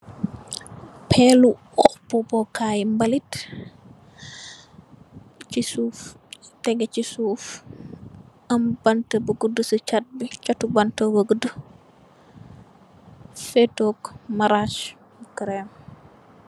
Peelu bubeekay mbalit ci suuf tegu ci suuf. Am bantu bu guddu ci chat bi, chatti bantu bu guddu fetoo maraj bu creem.